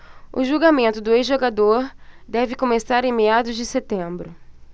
o julgamento do ex-jogador deve começar em meados de setembro